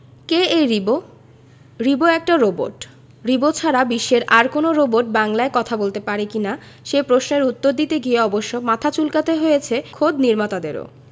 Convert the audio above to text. কে এই রিবো রিবো একটা রোবট রিবো ছাড়া বিশ্বের আর কোনো রোবট বাংলায় কথা বলতে পারে কি না সে প্রশ্নের উত্তর দিতে গিয়ে অবশ্য মাথা চুলকাতে হয়েছে খোদ নির্মাতাদেরও